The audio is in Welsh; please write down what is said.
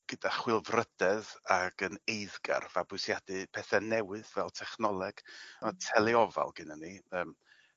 gyda chwilfrydedd ag yn eiddgar fabwysiadu pethe newydd fel technoleg ma' telyofal gennon ni yym